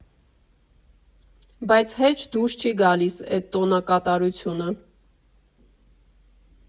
Բայց հեչ դուրս չի գալիս էտ տոնակատարությունը։